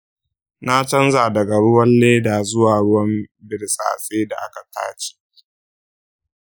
na canza daga ruwan leda zuwa ruwan birtsatse da aka tace.